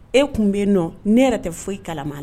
E tun bɛ yen nɔ ne yɛrɛ tɛ foyi kalaman